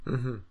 Mhm.